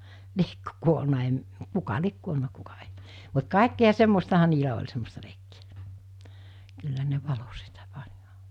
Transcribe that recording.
liekö kuollut - kuka lie kuollut kuka ei mutta kaikkia semmoistahan niillä oli semmoista leikkiä kyllä ne valoi sitä